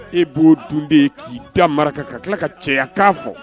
E b'o dun de k'i da maraka ka tila ka cɛyakan fɔ